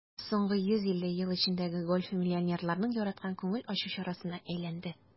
Соңгы 150 ел эчендә гольф миллионерларның яраткан күңел ачу чарасына әйләнде.